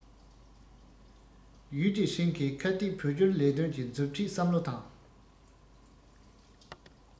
ཡུས ཀྲེང ཧྲེང གིས ཁ གཏད བོད སྐྱོར ལས དོན གྱི མཛུབ ཁྲིད བསམ བློ དང